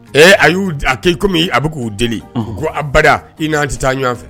Ɛɛ a y'u a kɔmi a bɛ k'u deli ko bada i n'an tɛ taa ɲɔgɔn fɛ